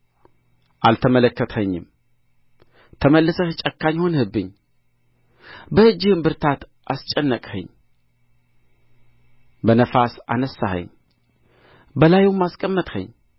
አልተመለከትኸኝም ተመልሰህ ጨካኝ ሆንህብኝ በእጅህም ብረታት አስጨነቅኸኝ በነፋስ አነሣኸኝ በላዩም አስቀመጥኸኝ